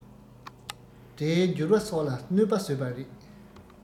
སྒྲའི འགྱུར བ སོགས ལ གནོད པ བཟོས པ རེད